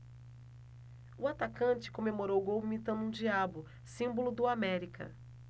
o atacante comemorou o gol imitando um diabo símbolo do américa